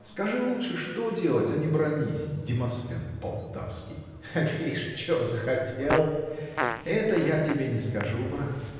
Скажи лучше, что делать, а не бранись, Демосфен полтавский! -- Вишь, чего захотел! Это я тебе не скажу, брат